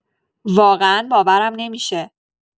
واقعا باورم نمی‌شه.